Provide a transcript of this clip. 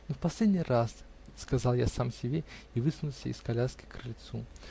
Ну, в последний раз!" -- сказал я сам себе и высунулся из коляски к крыльцу.